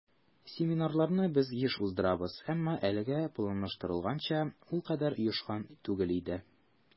Семинарларны без еш уздырабыз, әмма әлегә планлаштырылганча ул кадәр оешкан түгел иде.